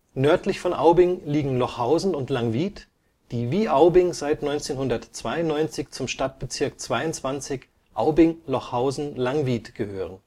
Nördlich von Aubing liegen Lochhausen und Langwied, die wie Aubing seit 1992 zum Stadtbezirk 22 Aubing-Lochhausen-Langwied gehören